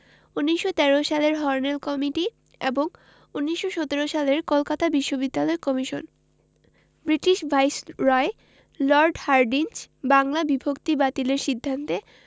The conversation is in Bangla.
১৯১৩ সালের হর্নেল কমিটি এবং ১৯১৭ সালের কলকাতা বিশ্ববিদ্যালয় commission British viceroy Lord Hardinge Bangla বিভক্তি বাতিলের সিদ্ধান্তে